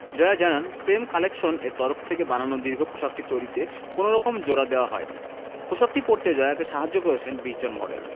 জয়া জানান প্রেম কালেকশন এর তরফ থেকে বানানো দীর্ঘ পোশাকটি তৈরিতে কোনো রকম জোড়া দেয়া হয়নি পোশাকটি পরতে জয়াকে সাহায্য করেছেন ২০ জন মডেল